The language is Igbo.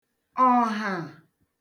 ọ̀hà